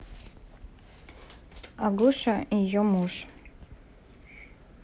агуша и ее муж